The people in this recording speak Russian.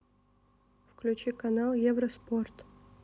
включи канал евроспорт